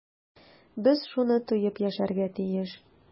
Без шуны тоеп яшәргә тиеш.